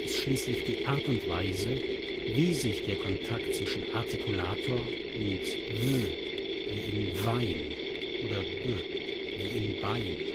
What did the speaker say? schließlich die Art und Weise, wie sich der Kontakt zwischen Artikulator und / v / wie in " Wein " oder / b / wie in " Bein